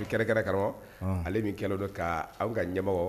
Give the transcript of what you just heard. U kɛlɛ kɛra karamɔgɔ ale de kɛlɛ dɔ k'anw ka ɲɛmɔgɔw